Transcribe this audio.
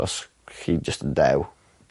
Os chi'n jyst yn dew